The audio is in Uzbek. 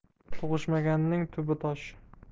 tug'ishmaganning tubi tosh